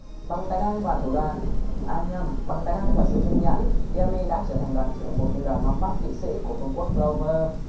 bằng tài năng và thủ đoạn à nhầm bằng tài năng và sự kiên nhẫn yami đã trở thành đoàn trưởng binh đoàn ma pháp kị sĩ của vương quốc clover